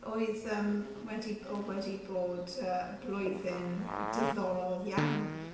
Oedd yym wedi b- wedi bod yy blwyddyn diddorol iawn.